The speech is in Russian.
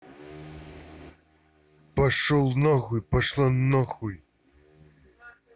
пошел наххуй пошла нахуй